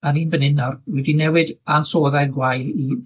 'Dan ni'n fyn 'yn nawr, wi 'di newid ansoddair gwael i